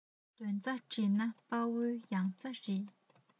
དོན རྩ བསྒྲིལ ན དཔལ བོའི ཡང རྩེ རེད